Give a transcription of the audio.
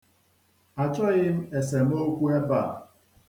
Achọghị m esemokwu ebe a.